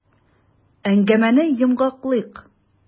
Әңгәмәне йомгаклыйк.